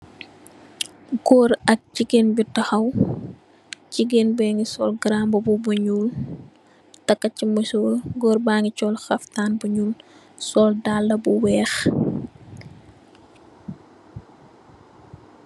Gorr ak jigenn bu tahaw. Jigen bangi sol garanmbuba bu nyul. Taka ai musorr, goor bangi sol khaftan bu nuul, sol dala bu weex.